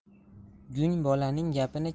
gung bolaning gapini